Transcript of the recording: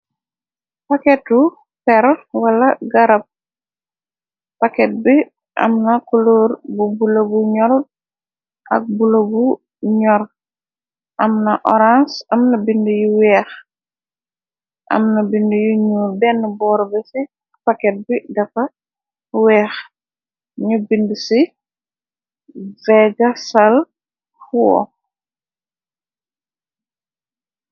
Pakket tu per wala garab, pakket bi am na kuloor bu bullo bu nyor ak bulo bu nyorrut, am na orans, am na binda yu weex, am na binda yu nyuul, binda boor bi, dafa weex, nyu binda si begga sal woo.